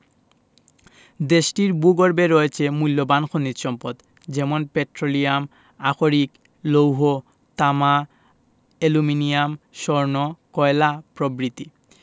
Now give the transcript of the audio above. দেশটির ভূগর্ভে রয়েছে মুল্যবান খনিজ সম্পদ যেমন পেট্রোলিয়াম আকরিক লৌহ তামা অ্যালুমিনিয়াম স্বর্ণ কয়লা প্রভৃতি